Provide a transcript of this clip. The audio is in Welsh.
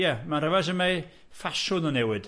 Ie, mae'n rhyfedd su' mae ffasiwn yn newid.